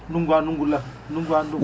ndunngu haa ndunngu * ndunngu haa ngunngu